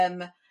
yym